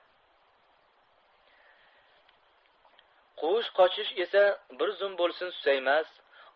quvish qochish esa bir zum bo'lsin susaymas